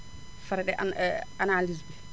frais de an analyse bi